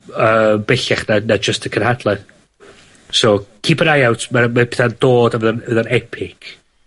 yn bellach na na jyst y cynhadledd. So keep an eye out ma' 'na ma' 'na petha'n dod a fydd o'n fydd o'n epic.